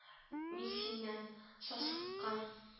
Мин синнән сасыктан